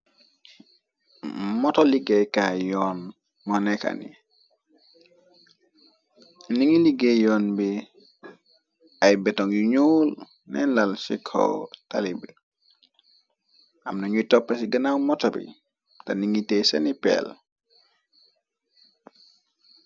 moto liggéey kaay yoon moo nekkani, ningi liggéey yoon bi, ay betoŋg yu ñuol neen lal cikhow tali bi, amna ñuy topp ci gënaw motori, te ningi tey seni peel.